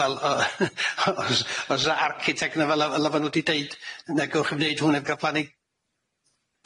Wel yy os os 'a architect 'na fel 'a fel 'a ma' nw 'di deud nagewch 'im neud hwn heb ga'l plannu.